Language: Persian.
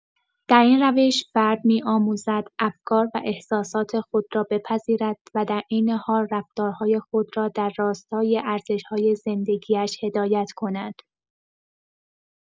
در این روش، فرد می‌آموزد افکار و احساسات خود را بپذیرد و در عین حال رفتارهای خود را در راستای ارزش‌های زندگی‌اش هدایت کند.